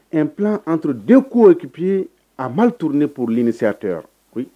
Ɛ p anto den koppiye a matour ne purl ni seya toyara koyi